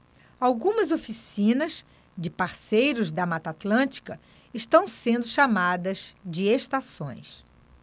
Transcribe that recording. algumas oficinas de parceiros da mata atlântica estão sendo chamadas de estações